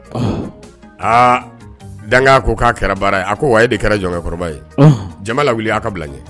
Aa dan ko k'a kɛra baara ko wa de kɛra jɔnkɛkɔrɔba ye jama la wuli'a ka bila ɲɛ